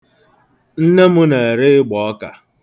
Nne m na-ere ịgbọọka.